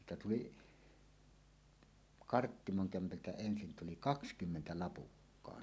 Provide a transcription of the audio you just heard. siitä tuli Karttimon kämpältä ensin tuli kaksikymmentä Lapukkaan